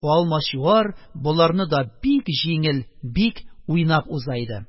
Алмачуар боларны да бик җиңел, бик уйнап уза иде.